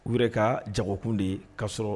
U yɛrɛ ka jagokun de ka sɔrɔ